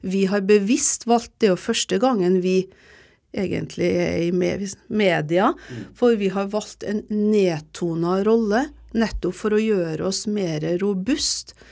vi har bevisst valgt det er jo første gangen vi egentlig er i media, for vi har valgt en nedtona rolle nettopp for å gjøre oss mere robust.